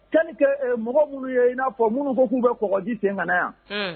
Li mɔgɔ minnu ye i n'a fɔ minnu ko k'u kaɔgɔji sen kana yan